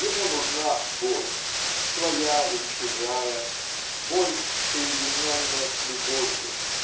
Ему нужна боль, своя или чужая, -- боль, соединенная с любовью.